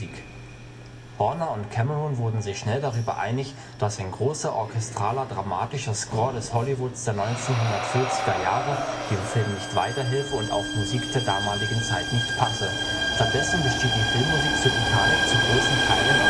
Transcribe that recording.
Horner und Cameron wurden sich schnell darüber einig, dass ein „ großer [orchestraler] dramatischer Score des Hollywoods der 1940er Jahre “dem Film nicht weiterhelfe und auch Musik der damaligen Zeit nicht passe. Stattdessen besteht die Filmmusik zu Titanic zu großen Teilen